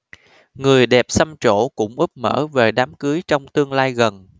người đẹp xăm trổ cũng úp mở về đám cưới trong tương lai gần